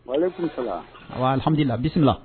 Halila bisimila la